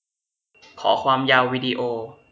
ขอความยาววิดีโอ